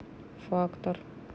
фактор